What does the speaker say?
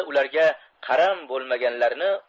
ularga qaram bo'lmaganlarni